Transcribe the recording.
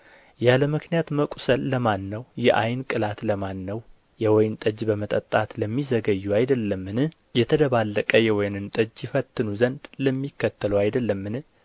ያለ ምክንያት መቍሰል ለማን ነው የዓይን ቅላት ለማን ነው የወይን ጠጅ በመጠጣት ለሚዘገዩ አይደለምን የተደባለቀ የወይንን ጠጅ ይፈትኑ ዘንድ ለሚከተሉ አይደለምን